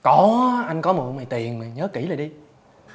có anh có mượn mày tiền mà nhớ kĩ lại đi